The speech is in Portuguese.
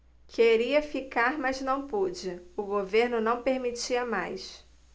queria ficar mas não pude o governo não permitia mais